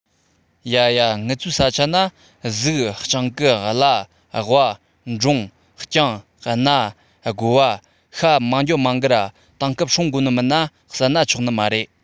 ཡ ཡ ངུ ཚོའི ས ཆ ན གཟིག སྦྱང ཀི གླ ཝ འབྲོང རྐྱང གནའ དགོ བ ཤྭ མང རྒྱུའོ མང གི ར ད སྐབས སྲུང དགོ ནོ མིན ན བསད ན ཆོག ནི མ རེད